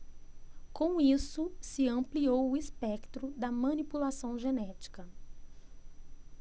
com isso se ampliou o espectro da manipulação genética